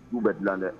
U bɛ dilan dɛ